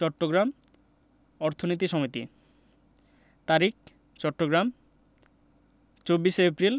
চট্টগ্রাম অর্থনীতি সমিতি তারিখ চট্টগ্রাম ২৪শে এপ্রিল